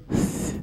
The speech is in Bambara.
Un